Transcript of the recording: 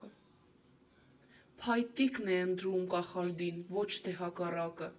Փայտիկն է ընտրում կախարդին, ոչ թե հակառակը։